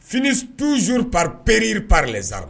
Fini tuurori papripri zsarime